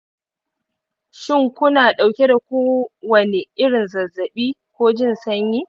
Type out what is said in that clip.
shin ku na ɗauke da kowane irin zazzaɓi ko jin sanyi